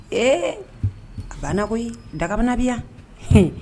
Ee a banna koyi, dagabana bɛ yan. Hɛn!